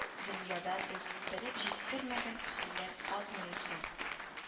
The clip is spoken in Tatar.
Дөньяда без белеп җиткермәгән хәлләр азмыни соң